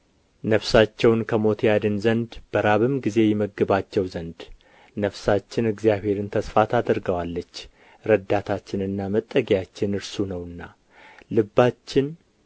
ነፍሳቸውን ከሞት ያድን ዘንድ በራብም ጊዜ ይመግባቸው ዘንድ ነፍሳችን እግዚአብሔርን ተስፋ ታደርገዋለች ረዳታችንና መጠጊያችን እርሱ ነውና ልባችን